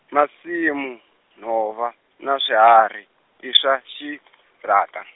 masimu, nhova, na swihari, i swa xi raka.